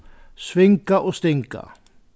svinga og stinga